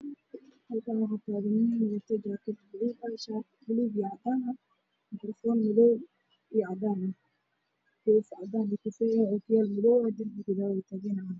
Halkaan waxaa taagan nin wata jaakad baluug ah shaati baluug iyo cadaan ah makarafoon madow iyo cadaan ah koofi cadaan iyo kafay ah ookiyaalo madow ah darbiga gadaale uu taagan cadaan ah.